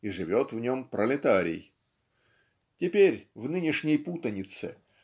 и живет в нем пролетарий. Теперь в нынешней путанице